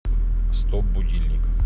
стоп будильник